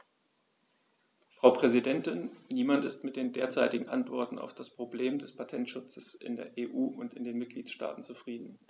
Frau Präsidentin, niemand ist mit den derzeitigen Antworten auf das Problem des Patentschutzes in der EU und in den Mitgliedstaaten zufrieden.